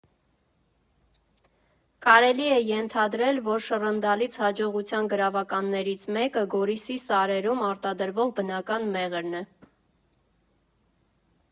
Կարելի է ենթադրել, որ շռնդալից հաջողության գրավականներից մեկը Գորիսի սարերում արտադրվող բնական մեղրն է։